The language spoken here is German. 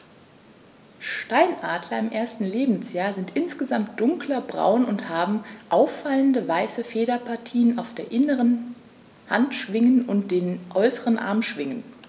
Steinadler im ersten Lebensjahr sind insgesamt dunkler braun und haben auffallende, weiße Federpartien auf den inneren Handschwingen und den äußeren Armschwingen.